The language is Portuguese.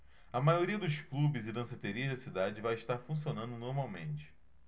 a maioria dos clubes e danceterias da cidade vai estar funcionando normalmente